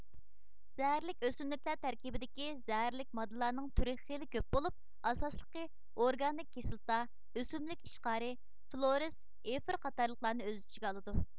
زەھەرلىك ئۆسۈملۈكلەر تەركىبىدىكى زەھەرلىك ماددىلارنىڭ تۈرى خېلى كۆپ بولۇپ ئاساسلىقى ئورگانىك كىسلاتا ئۆسۈملۈك ئىشقارى فلورىس ئېفىر قاتارلىقلارنى ئۆز ئىچىگە ئالىدۇ